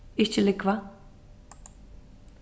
ikki lúgva